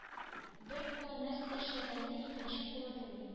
Бер кулы нәрсә эшләгәнне икенче кулы белми